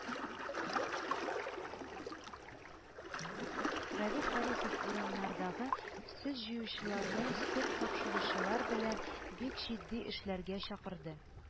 Равил Харисов урыннардагы сөт җыючыларны сөт тапшыручылар белән бик җитди эшләргә чакырды